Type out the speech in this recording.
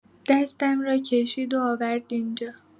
دستم را کشید و آورد این‌جا.